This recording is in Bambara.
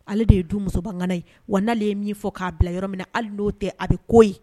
Ale de ye du musoana ye wa n'ale ye min fɔ k'a bila yɔrɔ min na hali'o tɛ a bɛ ko ye